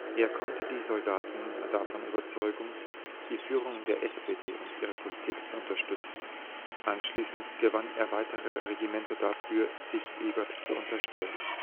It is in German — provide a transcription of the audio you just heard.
Er konnte die Soldaten davon überzeugen, die Führung der SPD und ihre Politik zu unterstützen. Anschließend gewann er weitere Regimenter dafür, sich Ebert zu unterstellen